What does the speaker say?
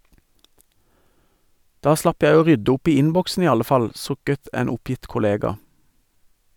Da slapp jeg å rydde opp i innboksen i alle fall, sukket en oppgitt kollega.